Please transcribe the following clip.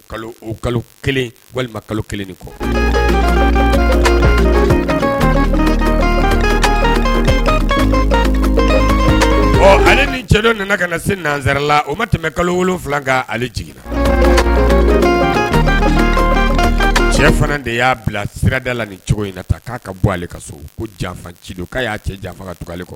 Kalo kalo walima kalo kelen kɔ hali ni cɛlo nana ka na se nanz la o ma tɛmɛ kalo wolon wolonwula ka ale jiginna cɛ fana de y'a bila sirada la ni cogo in na ta k'a ka bɔ ale ka so ko janfa ci y'a cɛ janfa ka kɔnɔ